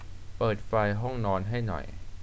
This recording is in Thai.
เปิดไฟห้องนอนให้หน่อย